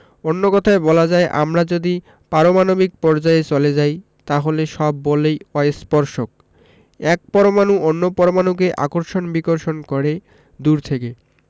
অন্য কথায় বলা যায় আমরা যদি পারমাণবিক পর্যায়ে চলে যাই তাহলে সব বলই অস্পর্শক এক পরমাণু অন্য পরমাণুকে আকর্ষণ বিকর্ষণ করে দূর থেকে